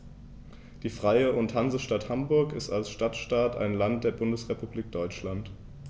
Die Freie und Hansestadt Hamburg ist als Stadtstaat ein Land der Bundesrepublik Deutschland.